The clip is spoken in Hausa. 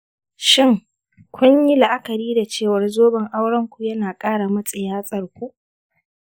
shin kun yi la'akari da cewa zoben aurenku ya na ƙara matse yatsarku?